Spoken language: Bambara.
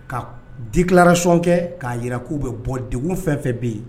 Ka di tilarac kɛ k'a jira k'u bɛ bɔ de fɛn fɛn bɛ yen